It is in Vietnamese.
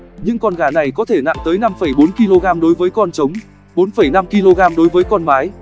những con gà này có thể nặng tới kg đối với con trống kg đối với con mái